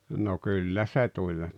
no kyllä se tuli